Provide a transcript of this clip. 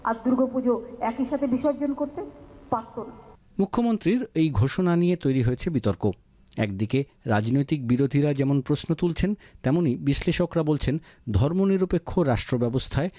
আর দুর্গাপুজো একই সাথে বিসর্জন করতে পারত না মুখ্যমন্ত্রীর এই ঘোষণা নিয়ে তৈরি হয়েছে বিতর্ক একদিকে রাজনৈতিক বিরোধীরা যেমন প্রশ্ন তুলছেন তেমনই বিশ্লেষকরা বলছেন ধর্মনিরপেক্ষ রাষ্ট্র ব্যবস্থায়